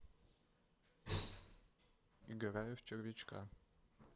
играю в червячка